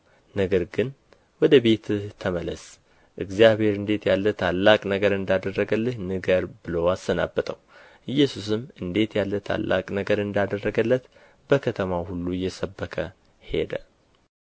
ነገር ግን ወደ ቤትህ ተመለስ እግዚአብሔር እንዴት ያለ ታላቅ ነገር እንዳደረግልህ ንገር ብሎ አሰናበተው ኢየሱስም እንዴት ያለ ታላቅ ነገር እንዳደረገለት በከተማው ሁሉ እየሰበከ ሄደ